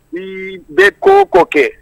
Bi bɛ ko o kɔ kɛ